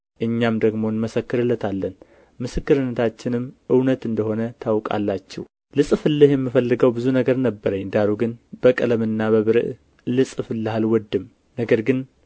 እኛም ደግሞ እንመሰክርለታለን ምስክርነታችንም እውነት እንደ ሆነ ታውቃላችሁ ልጽፍልህ የምፈልገው ብዙ ነገር ነበረኝ ዳሩ ግን በቀለምና በብርዕ ልጽፍልህ አልወድም ነገር ግን